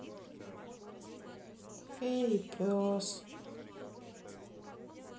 феи пес